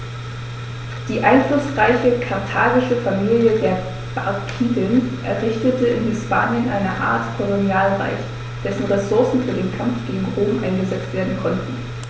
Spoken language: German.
Die einflussreiche karthagische Familie der Barkiden errichtete in Hispanien eine Art Kolonialreich, dessen Ressourcen für den Kampf gegen Rom eingesetzt werden konnten.